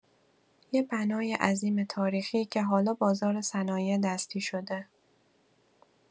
یه بنای عظیم تاریخی که حالا بازار صنایع‌دستی شده.